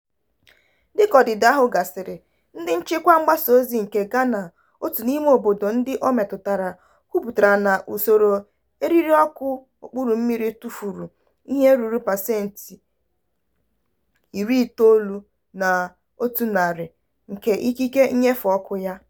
Dịka ọdịda ahụ gasịrị, ndị nchịkwa mgbasaozi nke Ghana, otu n'ime obodo ndị o metụtara, kwupụtara na usoro eririọkụ okpuru mmiri tụfuru ihe ruru pasenti 90 na 100 nke ikike nnyefe ọkụ ya.